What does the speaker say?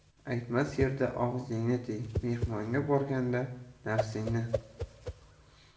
aytmas yerda og'zingni tiy mehmonga borganda nafsingni